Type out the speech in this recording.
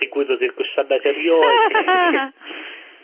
...ddigwyddodd i'r gwasanaeth erioed.